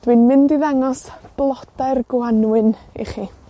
Dwi'n mynd i ddangos blodau'r Gwanwyn i chi.